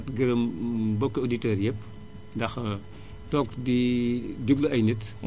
sant ak gërëm mbokki auditeur yépp ndax toog di déglu ay nit